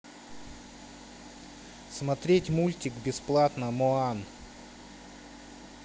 смотреть мультик бесплатно моан